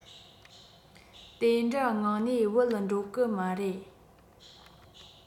དེ འདྲ ངང ནས བུད འགྲོ གི མ རེད